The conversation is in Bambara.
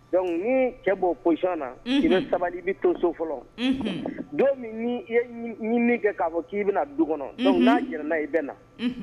Donc nii cɛ b'o position na unn i be sabali i be to so fɔlɔ unhun don min n'i i ye ɲi ɲiinin kɛ k'a fɔ k'i bɛna du kɔnɔ unhun donc n'a jɛna n'a ye i bɛ na unhun